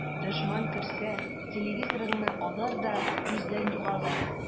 Дошман керсә, телевизорыңны алыр да күздән югалыр.